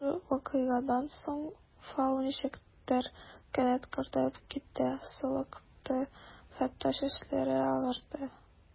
Шушы вакыйгадан соң Фау ничектер кинәт картаеп китте: сулыкты, хәтта чәчләре агарды.